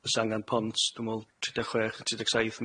fysa angan pont dwi me'wl tri deg chwech tri deg saith